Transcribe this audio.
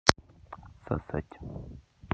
сосать